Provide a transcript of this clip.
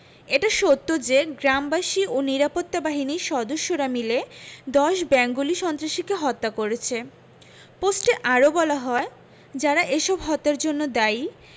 এটা সত্য যে গ্রামবাসী ও নিরাপত্তা বাহিনীর সদস্যরা মিলে ১০ বেঙ্গলি সন্ত্রাসীকে হত্যা করেছে পোস্টে আরো বলা হয় যারা এসব হত্যার জন্য দায়ী